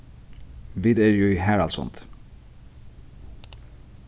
vit eru í haraldssundi